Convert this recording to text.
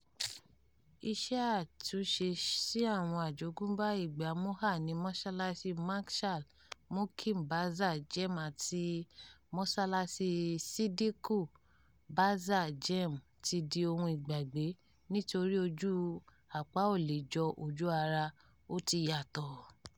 Iṣẹ́ àtúnṣe sí àwọn àjogúnbá ìgbàa Mughal ní mọ́ṣálááṣí Bangshal Mukim Bazar Jam-e àti mọ́ṣálááṣí Siddique Bazar Jam-e ti di ohun ìgbàgbé nítorí ojú àpá ò le è jọ ojú ara, ó ti yàtọ̀.